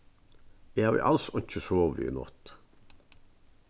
eg havi als einki sovið í nátt